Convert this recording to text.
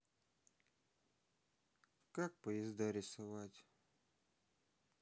как поезда рисовать